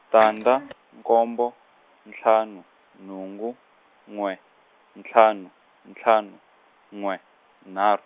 tandza, nkombo, ntlhanu, nhungu, n'we, ntlhanu ntlhanu n'we nharhu.